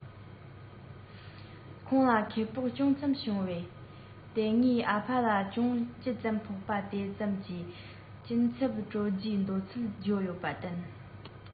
ཁོང ལ ཁེ སྤོགས ཅུང ཙམ བྱུང བས དེ སྔ ཨ ཕ ལ གྱོང ཅི ཙམ ཕོག པ དེ ཙམ གྱིས སྐྱིན ཚབ སྤྲོད རྒྱུའི འདོད ཚུལ བརྗོད ཡོད པར བརྟེན